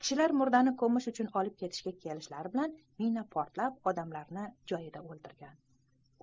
kishilar murdani ko'mish uchun olib ketishga kelishlari bilan mina portlab odamlarni joyida o'ldirgan